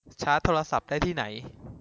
ชาร์จโทรศัพท์ได้ที่ไหน